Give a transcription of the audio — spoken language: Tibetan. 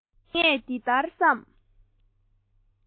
ངས འདི ལྟར བསམ